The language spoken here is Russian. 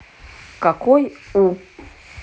какой у